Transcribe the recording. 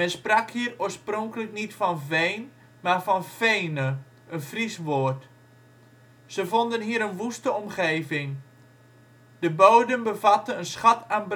sprak hier oorspronkelijk niet van veen, maar van fene, een Fries woord. Ze vonden hier een woeste omgeving. De bodem bevatte een schat aan